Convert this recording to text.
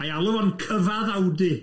A'i alw fo'n cyfadd Audi.